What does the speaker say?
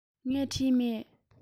ངས བྲིས མེད